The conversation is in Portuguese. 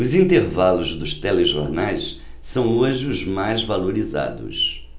os intervalos dos telejornais são hoje os mais valorizados